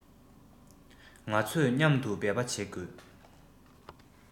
ང ཚོས མཉམ དུ འབད པ བྱ དགོས